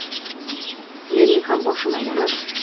mening ham boshim aylanib